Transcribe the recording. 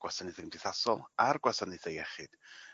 gwasanaethe cymdeithasol ar gwasanaethe iechyd.